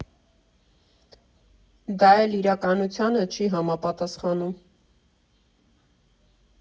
Դա էլ իրականությանը չի համապատասխանում։